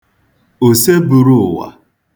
òsebūrụ̀wà